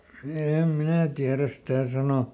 en minä tiedä sitä sanoa